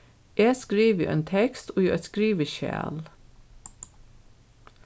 eg skrivi ein tekst í eitt skriviskjal